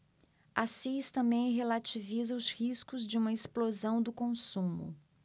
assis também relativiza os riscos de uma explosão do consumo